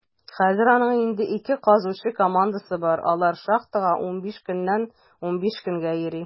Хәзер аның инде ике казучы командасы бар; алар шахтага 15 көннән 15 көнгә йөри.